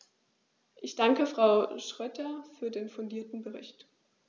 Ich danke Frau Schroedter für den fundierten Bericht.